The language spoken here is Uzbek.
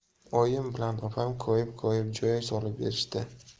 oyim bilan opam koyib koyib joy solib berishdi